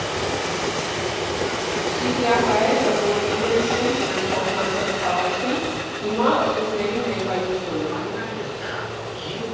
Սիրիահայերը, որ իրենց շունչն են փոխանցել քաղաքին, հիմա՝ ռուսների ներկայությունը։